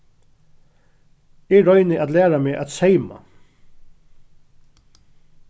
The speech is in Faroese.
eg royni at læra meg at seyma